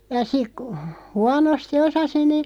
ja sitten kun huonosti osasi niin